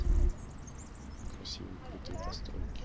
красивые крутые постройки